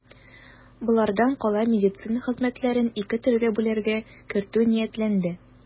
Болардан кала медицина хезмәтләрен ике төргә бүләргә кертү ниятләнде.